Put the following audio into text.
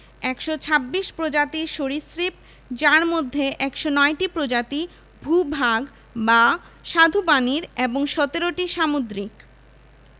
বিমান বন্দরঃ জিয়া আন্তর্জাতিক বিমান বন্দর ঢাকা আমানত শাহ্ আন্তর্জাতিক বিমান বন্দর চট্টগ্রাম ওসমানী বিমান বন্দর সিলেট